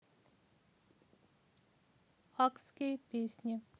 акские песни